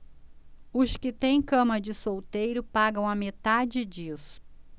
os que têm cama de solteiro pagam a metade disso